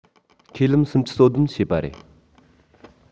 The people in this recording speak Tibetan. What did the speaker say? ཁས ལེན སུམ བཅུ སོ བདུན བྱས པ རེད